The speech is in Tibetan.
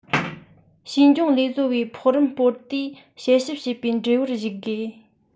ཕྱིས འབྱུང ལས བཟོ པའི ཕོགས རིམ སྤོར དུས དཔྱད ཞིབ བྱས པའི འབྲས བུར གཞིགས དགོས